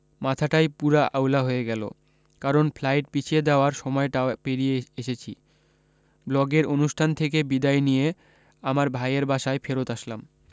মাথাটাই পুরা আউলা হয়ে গেলো কারণ ফ্লাইট পিছিয়ে দেয়ার সময়টাও পেরিয়ে এসেছি ব্লগের অনুষ্ঠান থেকে বিদায় নিয়ে আবার ভাইয়ের বাসায় ফেরত আসলাম